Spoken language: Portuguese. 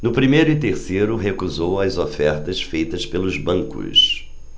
no primeiro e terceiro recusou as ofertas feitas pelos bancos